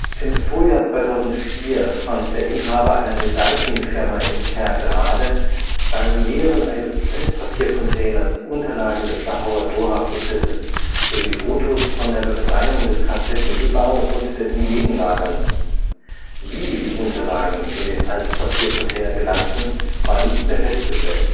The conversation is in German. Im Frühjahr 2004 fand der Inhaber einer Recycling-Firma in Kerkrade beim Leeren eines Altpapiercontainers Unterlagen des Dachauer Dora-Prozesses sowie Fotos von der Befreiung des KZ Mittelbau und dessen Nebenlagern. Wie die Unterlagen in den Altpapiercontainer gelangten, war nicht mehr festzustellen